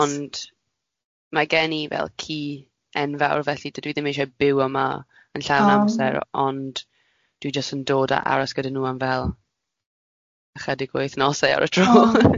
ond mae gen i fel ci enfawr, felly dydw i ddim eisiau byw yma yn llawn amser... O. ...ond dwi jyst yn dod a aros gyda nhw am fel ychydig o wythnosau ar y tro .